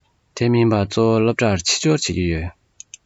དེ མིན པ གཙོ བོ སློབ གྲྭར ཕྱི འབྱོར བྱེད ཀྱི ཡོད རེད